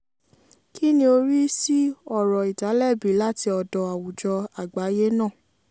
Kínni o rí sí ọ̀rọ̀ ìdálẹ́bi láti ọ̀dọ̀ àwùjọ àgbáyé náà?